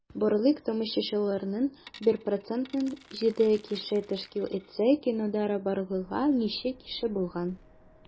Барлык тамашачыларның 1 процентын 7 кеше тәшкил итсә, кинода барлыгы ничә кеше булган?